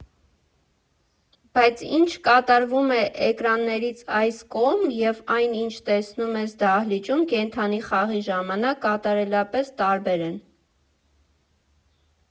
Բայց ինչ կատարվում է էկրաններից այս կողմ, և այն, ինչ տեսնում ես դահլիճում կենդանի խաղի ժամանակ, կատարելապես տարբեր են։